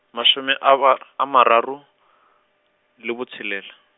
masome a ba, a mararo, le botshelela.